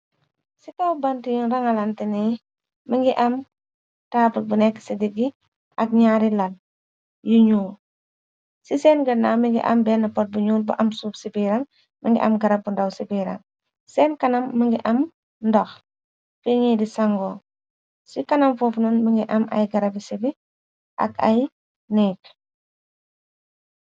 Ci kaw bant yun rangalante ni, mingi am taabul bu nekk ci diggi ak njaari lal yu njull, ci sehn ganaw mingi am benn pot bu njull bu am suff ci biiram, mingi am garab bu ndaw ci biiram, sehn kanam mingi am ndox, fi njii di sangoh, ci kanam fofu nonu mingi am ay garabi cibi ak ay nehgg.